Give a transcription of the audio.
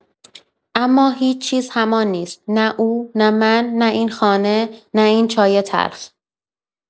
اما هیچ‌چیز همان نیست، نه او، نه من، نه این خانه، نه این چای تلخ.